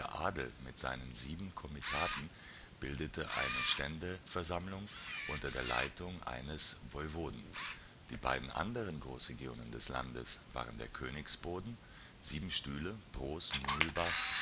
Adel mit seinen sieben Komitaten bildete eine Ständeversammlung unter der Leitung eines Woiwoden. Die beiden anderen Großregionen des Landes waren der Königsboden („ Sieben Stühle “: Broos, Mühlbach